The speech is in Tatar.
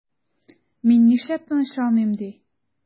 Мин нишләп тынычланыйм ди?